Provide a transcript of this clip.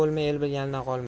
el bilganidan qolma